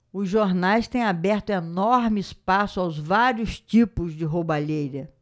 os jornais têm aberto enorme espaço aos vários tipos de roubalheira